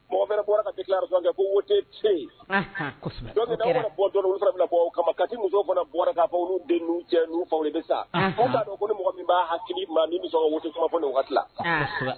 Mɔgɔ ŋɛrɛ bɔra ka déclaration kɛ, ko voté te yen, anhan, kosɛbɛ, o kɛra, donc ni aw be nan bɔ don min, olu fanan be na bɔ aw kaman, Kati musow fana bɔra ka fɔ olu denw, n'u cɛw n' u faw de bɛ sa, aahan. Aw ta don ko ni mɔgɔ min b'a hakiliman min be son ka voté ko kuma fɔ ni waagati la.